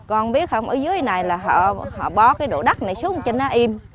con biết không ở dưới này là họ họ bó cái đổ đất xuống cho nó im